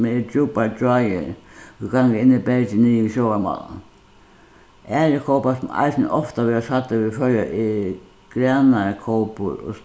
sum eru djúpar gjáir ið ganga inn í bergið niðri við sjóvarmálan aðrir kópar sum eisini ofta verða sæddir við føroyar er granarkópur og